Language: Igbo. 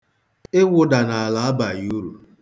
Ịwụda n'ala abaghị uru.